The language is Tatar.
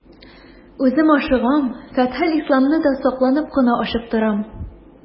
Үзем ашыгам, Фәтхелисламны да сакланып кына ашыктырам.